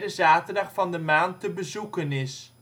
zaterdag van de maand te bezoeken is